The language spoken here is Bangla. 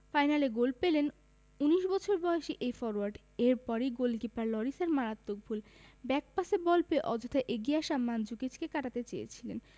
ফাইনালে গোল পেলেন ১৯ বছর বয়সী এই ফরোয়ার্ড এরপরই গোলকিপার লরিসের মারাত্মক ভুল ব্যাকপাসে বল পেয়ে অযথা এগিয়ে আসা মানজুকিচকে কাটাতে চেয়েছিলেন